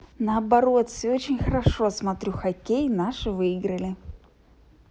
наоборот все очень хорошо смотрю хоккей наши выиграли